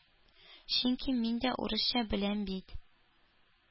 Чөнки мин дә урысча беләм бит.